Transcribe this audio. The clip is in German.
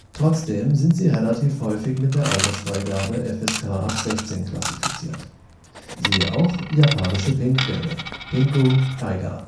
Trotzdem sind sie relativ häufig mit der Altersfreigabe FSK „ ab 16 Jahren “klassifiziert. Siehe auch: Japanische Pink Filme (Pinku eiga